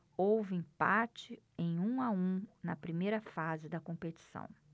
houve empate em um a um na primeira fase da competição